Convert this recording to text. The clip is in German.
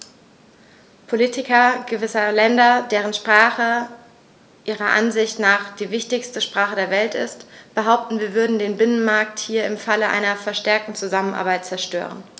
Politiker gewisser Länder, deren Sprache ihrer Ansicht nach die wichtigste Sprache der Welt ist, behaupten, wir würden den Binnenmarkt hier im Falle einer verstärkten Zusammenarbeit zerstören.